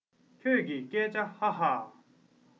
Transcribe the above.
ཁྱོད ཀྱི སྐད ཆ ཧ ཧ